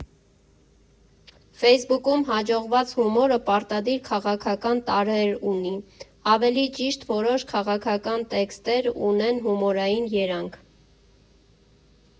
Ֆեյսբուքում հաջողված հումորը պարտադիր քաղաքական տարրեր ունի, ավելի ճիշտ՝ որոշ քաղաքական տեքստեր ունեն հումորային երանգ։